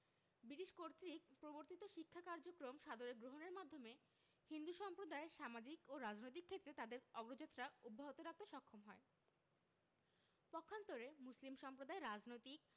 British কর্তৃক প্রবর্তিত শিক্ষা কার্যক্রম সাদরে গ্রহণের মাধ্যমে হিন্দু সম্প্রদায় সামাজিক ও রাজনৈতিক ক্ষেত্রে তাদের অগ্রযাত্রা অব্যাহত রাখতে সক্ষম হয় পক্ষান্তরে মুসলিম সম্প্রদায় রাজনৈতিক